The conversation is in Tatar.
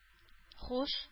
Һуш